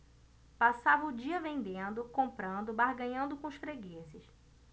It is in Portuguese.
passava o dia vendendo comprando barganhando com os fregueses